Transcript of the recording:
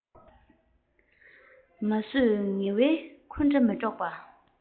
མ བཟོད ངལ བའི འཁུན སྒྲ མི སྒྲོག པ